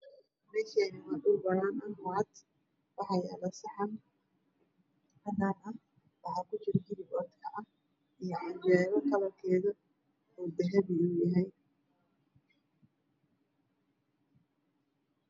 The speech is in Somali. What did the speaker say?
Meeshaani waa dhul banaan ah waxaa yaalo saxan cadaan waxaa ku jiro hilib oodkac ah iyo canjeero kalarkeedu uu dahabi yahay